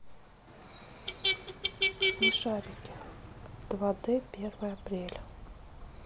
смешарики два д первое апреля